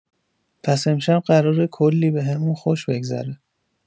پس امشب قراره کلی بهمون خوش بگذره!